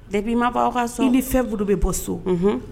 Depuis i ma bɔ a ka so, i ni fɛn minnu bɛ bɔ a ka so